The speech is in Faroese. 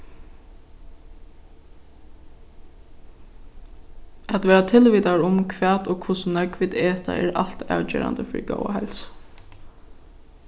at vera tilvitaður um hvat og hvussu nógv vit eta er alt avgerandi fyri góða heilsu